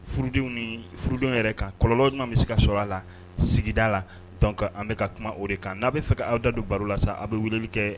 Furudenw ni furudenw yɛrɛ kan kɔlɔlɔn ɲɔgɔn bɛ se ka sɔrɔ a la sigida la dɔn kan an bɛka ka kuma o de kan n'a bɛ fɛ ka aw da don baro la sa aw bɛ wele kɛ